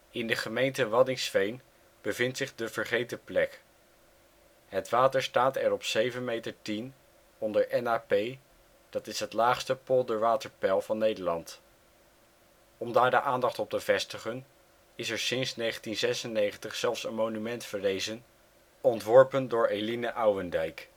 In de gemeente Waddinxveen bevindt zich de De Vergeten Plek. Het water staat er op 7.10 m onder NAP, dat is het laagste polderwaterpeil van Nederland. Om daar de aandacht op te vestigen is er sinds 1996 zelfs een monument verrezen, ontworpen door Eline Ouwendijk